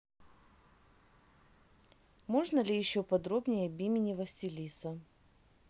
можно еще поподробнее об имени василиса